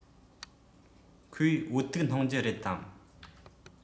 ཁོས བོད ཐུག འཐུང རྒྱུ རེད དམ